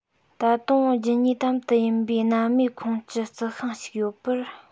ད དུང རྒྱུད ཉེ དམ དུ ཡིན པའི སྣ མའི ཁོངས ཀྱི རྩི ཤིང ཞིག ཡོད པར